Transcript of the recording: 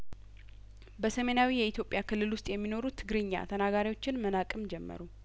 በሰሜናዊ የኢትዮጵያ ክልል ውስጥ የሚኖሩ ትግርኛ ተናጋሪዎችን መናቅም ጀመሩ